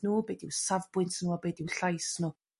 nhw be dyw safbwynt nhw a be dyw llais nhw.